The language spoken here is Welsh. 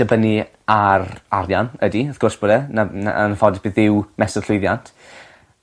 ...dibynnu ar arian ydi wrth gwrs bod e. 'Na 'na yn anffodus beth yw mesur llwyddiant.